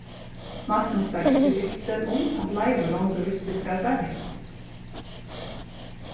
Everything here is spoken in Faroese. magnus var ikki bilsin um at leivur longu visti hvat var hent